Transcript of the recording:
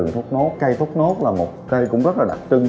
thốt nốt cây thốt nốt là một cây cũng rất là đặc trưng